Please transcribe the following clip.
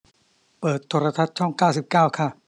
เปิดโทรทัศน์ช่องเก้าสิบเก้าค่ะ